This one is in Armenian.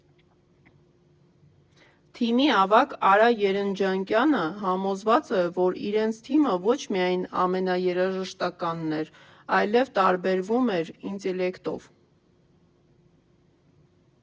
Թիմի ավագ Արա Երնջակյանը համոզված է, որ իրենց թիմը ոչ միայն ամենաերաժշտականն էր, այլև տարբերվում էր ինտելեկտով։